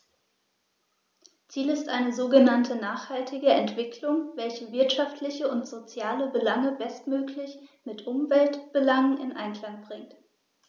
Ziel ist eine sogenannte nachhaltige Entwicklung, welche wirtschaftliche und soziale Belange bestmöglich mit Umweltbelangen in Einklang bringt.